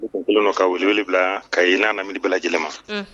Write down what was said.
U bulon ka wuliw bila ka n'a na miba lajɛlen ma